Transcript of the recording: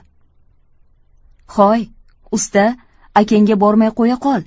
hoy usta akangga bormay qo'ya qol